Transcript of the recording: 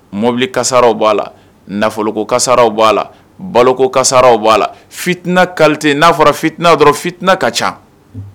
Mɔbili kasaraw b' a la nafoloko kasaraw b' a la baloko karaw b' a la fitina kalite n'a fɔra fitina dɔrɔn fitina ka ca